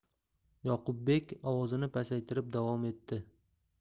yoqubbek ovozini pasaytirib davom etdi